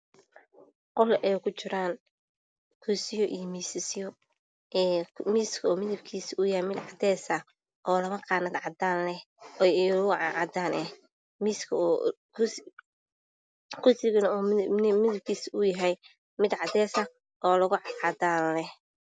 Qol ay kujiraan kuraasman iyo miisas. Miiska kalarkiisu waa cadaan oo labo qaanad leh, kursigu waa cadeys oo lugo cadaan leh.